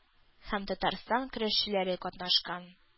Һәм татарстан көрәшчеләре катнашкан.